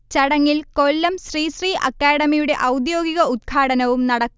ചടങ്ങിൽ കൊല്ലം ശ്രീ ശ്രീ അക്കാഡമിയുടെ ഔദ്യോഗിക ഉദ്ഘാടനവും നടക്കും